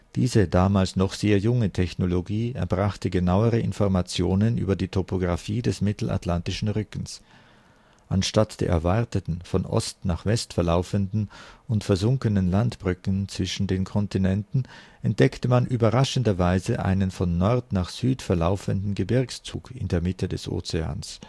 Diese damals noch sehr junge Technologie erbrachte genauere Informationen über die Topographie des Mittelatlantischen Rückens. Anstatt der erwarteten von Ost nach West verlaufenden und versunkenen Landbrücken zwischen den Kontinenten entdeckte man überraschenderweise einen von Nord nach Süd verlaufenden Gebirgszug in der Mitte des Ozeans